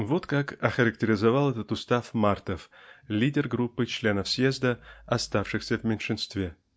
Вот как охарактеризовал этот устав Мартов лидер группы членов съезда оставшихся в меньшинстве